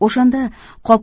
o'shanda qop